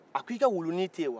a ko i ka wulunin tɛ yen wa